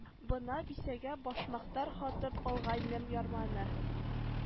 Бына бисәгә башмактар һатып алгайнем яраманы